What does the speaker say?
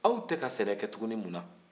aw tɛka sɛnɛ kɛ tugunni mun na